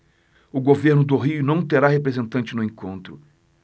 o governo do rio não terá representante no encontro